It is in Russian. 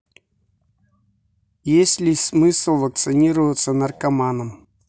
есть ли смысл вакцинироваться наркоманам